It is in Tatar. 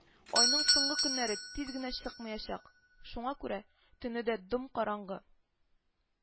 Айның соңгы көннәре, тиз генә чыкмаячак, шуңа күрә төне дә дөм-караңгы